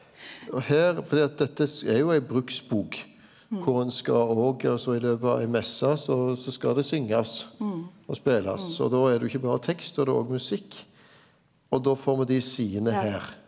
og her fordi at dette er jo ei bruksbok kor ein skal òg altså i løpet av ei messe så så skal det syngast og spelast og då er det jo ikkje berre tekst då er det òg musikk og då får me dei sidene her.